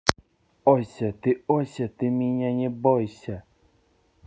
ойся ты ойся ты меня не бойся